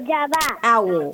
Jaba a wo